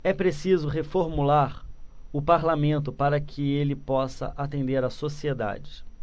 é preciso reformular o parlamento para que ele possa atender a sociedade